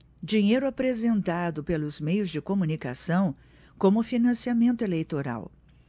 dinheiro apresentado pelos meios de comunicação como financiamento eleitoral